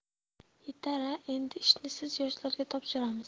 yetar a endi ishni siz yoshlarga topshiramiz